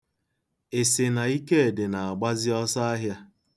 Ị sị na Ikedị na-agbazị ọsọ ahịa.